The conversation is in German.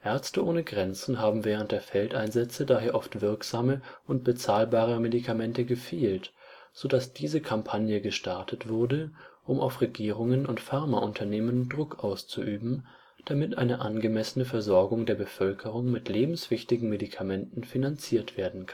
Ärzte ohne Grenzen haben während der Feldeinsätze daher oft wirksame und bezahlbare Medikamente gefehlt, so dass diese Kampagne gestartet wurde, um auf Regierungen und Pharmaunternehmen Druck auszuüben, damit eine angemessene Versorgung der Bevölkerung mit lebenswichtigen Medikamenten finanziert werden